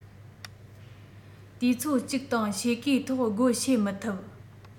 དུས ཚོད གཅིག དང ཕྱེད ཀའི ཐོག སྒོ ཕྱེ མི ཐུབ